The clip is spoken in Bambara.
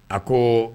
A ko